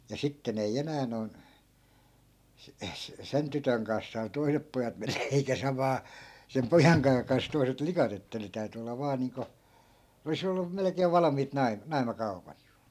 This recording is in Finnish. ja sitten ei enää noin -- sen tytön kanssa saanut toiset pojat mennä eikä samaa sen pojankaan kanssa toiset likat että ne täytyi olla vain niin kuin olisi ollut melkein valmiit - naimakaupat